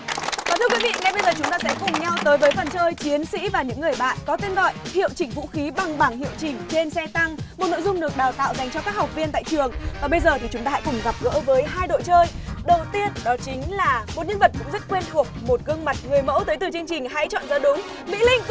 và thưa quý vị ngay bây giờ chúng ta sẽ cùng nhau tới với phần chơi chiến sĩ và những người bạn có tên gọi hiệu chỉnh vũ khí bằng bảng hiệu chỉnh trên xe tăng một nội dung được đào tạo dành cho các học viên tại trường và bây giờ thì chúng ta hãy cùng gặp gỡ với hai đội chơi đầu tiên đó chính là một nhân vật cũng rất quen thuộc một gương mặt người mẫu tới từ chương trình hãy chọn giá đúng mỹ linh